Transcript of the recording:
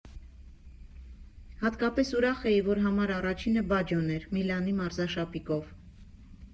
Հատկապես ուրախ էի, որ համար առաջինը Բաջջոն էր՝ «Միլանի» մարզաշապիկով։